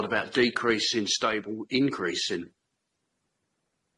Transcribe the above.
What about decreasing, stable, increasing?